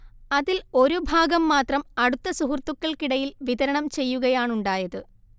അതിൽ ഒരുഭാഗം മാത്രം അടുത്ത സുഹൃത്തുക്കൾക്കിടയിൽ വിതരണം ചെയ്യുകയാണുണ്ടായത്